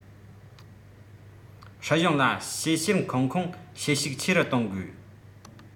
སྲིད གཞུང ལ དཔྱད བཤེར ཁང ཁུངས བྱེད ཤུགས ཆེ རུ གཏོང དགོས